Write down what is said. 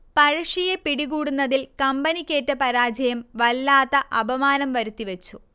പഴശ്ശിയെ പിടികൂടുന്നതിൽ കമ്പനിക്കേറ്റ പരാജയം വല്ലാത്ത അപമാനം വരുത്തിവെച്ചു